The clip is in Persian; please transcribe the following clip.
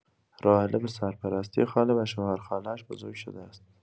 راحله به سرپرستی خاله و شوهرخاله‌اش بزرگ شده است.